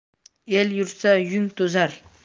el yursa yung to'zar